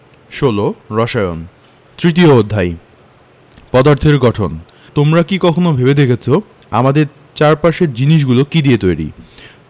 ১৬ রসায়ন তৃতীয় অধ্যায় পদার্থের গঠন তোমরা কি কখনো ভেবে দেখেছ আমাদের চারপাশের জিনিসগুলো কী দিয়ে তৈরি